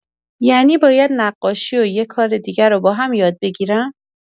یعنی باید نقاشی و یه کار دیگه رو با هم یاد بگیرم؟